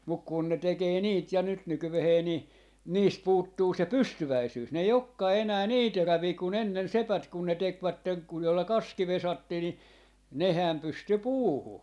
mutta kun ne tekee niitä ja nyt nykyään niin niistä puuttuu se pystyväisyys ne ei olekaan enää niin teräviä kuin ennen sepät kun ne tekivät kun joilla kaski vesattiin niin nehän pystyi puuhun